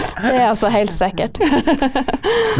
det er altså heilt sikkert .